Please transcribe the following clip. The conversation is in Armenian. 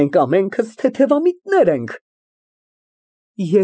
Մենք ամենքս թեթևամիտներ ենք։ (Լուրջ)։